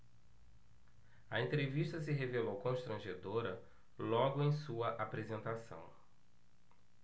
a entrevista se revelou constrangedora logo em sua apresentação